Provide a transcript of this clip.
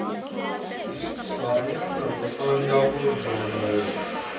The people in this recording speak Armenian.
Իսկ Սարյանը վտանգավոր զոնա էր։